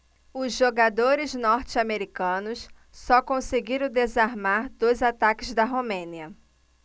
os jogadores norte-americanos só conseguiram desarmar dois ataques da romênia